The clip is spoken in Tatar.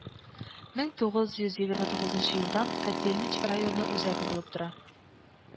Мең тугыз йөз егерме тугызынчы елдан котельнич районы үзәге булып тора